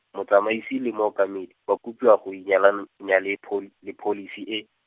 motsamaisi le mookamedi ba kopiwa go inyalan- nya le phol-, le pholisi e.